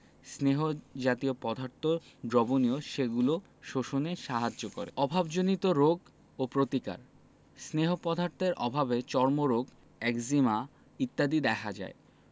স্নেহ জাতীয় পদার্থ দ্রবণীয় সেগুলো শোষণে সাহায্য করে অভাবজনিত রোগ ও প্রতিকার স্নেহ পদার্থের অভাবে চর্মরোগ একজিমা ইত্যাদি দেখা যায়